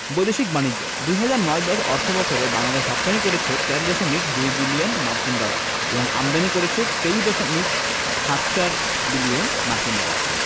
বৈদেশিক বাণিজ্যঃ ২০০৯ ১০ অর্থবছরে বাংলাদেশ রপ্তানি করেছে ১৩দশমিক ২ বিলিয়ন মার্কিন ডলার এবং আমদানি করেছে ২৩দশমিক সাত চার বিলিয়ন মার্কিন ডলার